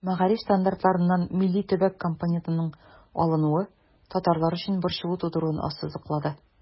Мәгариф стандартларыннан милли-төбәк компонентының алынуы татарлар өчен борчылу тудыруын ассызыклады.